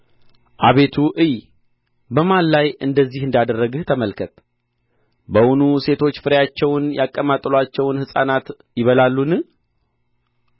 አቤቱ እይ በማን ላይ እንደዚህ እንዳደረግህ ተመልከት በውኑ ሴቶች ፍሬያቸውን ያቀማጠሉአቸውን ሕፃናት ይበላሉን